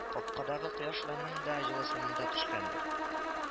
Капкадагы кояшларның да җылысы монда төшкәндер